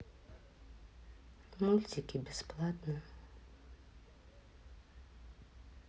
мультики бесплатно